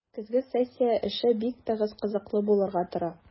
Көзге сессия эше бик тыгыз, кызыклы булырга тора.